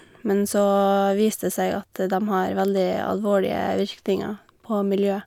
Men så viser det seg at dem har veldig alvorlige virkninger på miljøet.